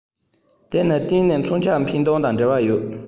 དེ ནི གཏན ནས མཚོན ཆ འཕེན གཏོང དང འབྲེལ བ ཡོད